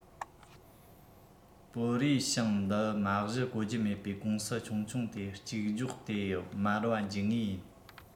པོ རུའེ ཞང འདི མ གཞི གོ རྒྱུ མེད པའི ཀུང སི ཆུང ཆུང དེ གཅིག སྒྱོགས དེ དམར བ འཇུག ངེས ཡིན